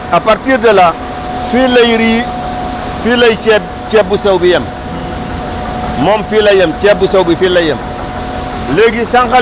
donc à partir de là fii lay riz fii lay ceeb ceeb bu sew bi yem moom fii lay yem ceeb bu sew bi fii lay yem